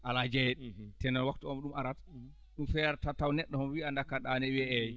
alaa jeyɗo teno waktu nde ɗum arata ɗum feerat taw neɗɗo wiya annda ko a ɗaaniɗo wiyee eeyi